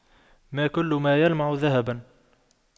ما كل ما يلمع ذهباً